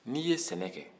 n'i ye sɛnɛ kɛ